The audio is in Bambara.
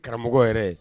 Karamɔgɔ yɛrɛ